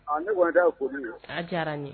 Aa ne kɔnni ta ye foli ye; A diyara n ye.